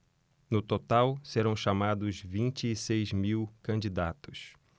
no total serão chamados vinte e seis mil candidatos